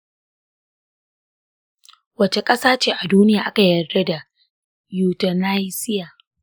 wace ƙasa ce a duniya aka yarda da euthanasia?